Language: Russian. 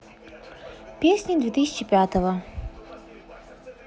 песни две тысячи пятого